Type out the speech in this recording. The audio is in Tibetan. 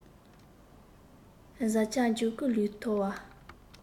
གཟའ ཁྱབ འཇུག སྐུ ལུས ཐོར བ